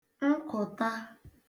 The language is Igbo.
nkụ̀ta